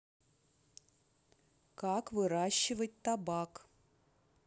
как выращивать табак